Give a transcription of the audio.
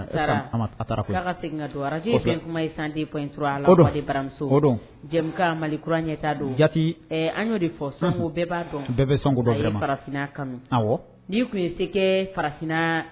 A taara. A ma, a taara koyi. ok A bɛ tila ka segin ka don radio ye bɛn kuma ye 102.3. O don la voix de baaramuso O don. Jɛmunkan Mali kura ɲɛtaa don. Jaati ! Ɛ an y'o de fɔ Sɔngo, bɛɛ b'a dɔn. Bɛɛ bɛ Sɔngo dɔn Aye farafinna kanu. Awɔ. N'i tun ye se kɛɛ farafinnaa